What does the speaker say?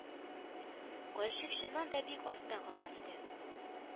Карчык чыннан да бик артка калган иде